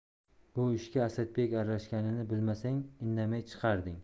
bu ishga asadbek aralashganini bilmasang indamay chiqarding